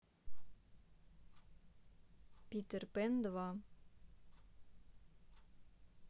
питер пен два